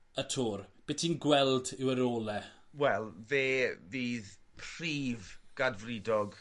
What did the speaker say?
y Tour. Be' ti'n gweld yw e' rôl e? Wel fe fydd prif gadfridog